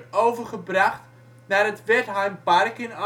overgebracht naar het Wertheimpark in